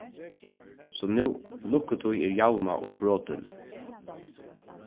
sum nú lukkutíð er javnað og brotin